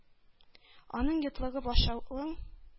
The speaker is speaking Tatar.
Аның йотлыгып ашавын,